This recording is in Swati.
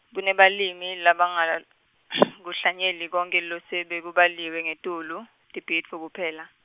Kunebalimi labalangal- -ngukuhlanyeli konkhe losekubalwe ngetulu, tibhidvo kuphela.